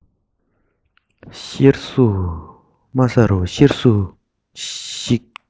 དམའ ས རུ གཤེར གཟུགས ཤིག